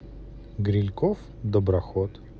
грильков доброход